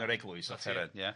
yn yr eglwys, offeren, ia.